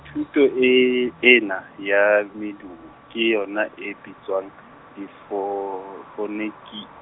thuto ena, ya medumo, ke yona e bitswang difo-, -foneti.